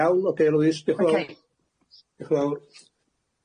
Iawn, ocê Louise, diolch'n fowr.